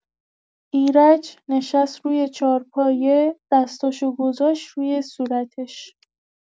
ایرج نشست روی چهارپایه، دستاشو گذاشت رو صورتش.